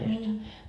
niin